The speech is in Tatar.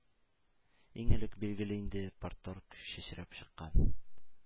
Иң элек, билгеле инде, парторг чәчрәп чыккан.